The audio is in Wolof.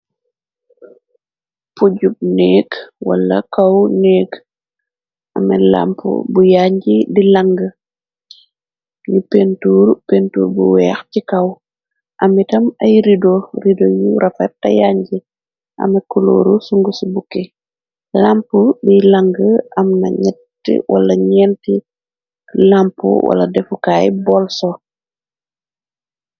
Pujjb néeg, wala kaw néeg, ame lamp bu yànj di lang, ñu ntr pentur bu weex ci kaw, amitam ay rido, rido yu rafe te yànji, amekulóoru sung ci bukki, lamp di làng, am na ñett wala ñeenti lamp, wala defukaay bol so.